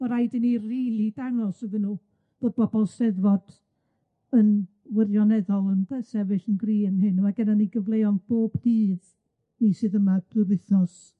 Ma' raid i ni rili dangos iddyn nw bod bobol Steddfod yn wirioneddol yn dy- sefyll yn gry yn hyn. Mae gennyn ni gyfleon bob dydd chi sydd yma drwy'r wythnos.